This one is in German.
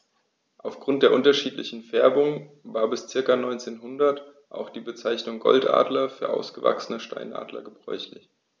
Auf Grund der unterschiedlichen Färbung war bis ca. 1900 auch die Bezeichnung Goldadler für ausgewachsene Steinadler gebräuchlich.